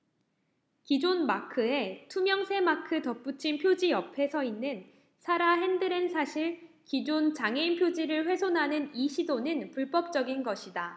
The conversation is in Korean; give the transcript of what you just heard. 기존 마크에 투명 새 마크 덧붙인 표지 옆에 서있는 사라 핸드렌사실 기존 장애인 표지를 훼손하는 이 시도는 불법적인 것이다